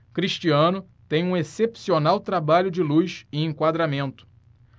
cristiano tem um excepcional trabalho de luz e enquadramento